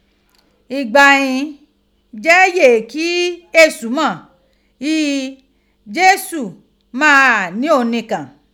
Igba ghin je yee ki Esu mo ghi Jesu maa gha ni oun nikan